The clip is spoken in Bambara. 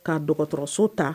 K'a dɔgɔtɔrɔso ta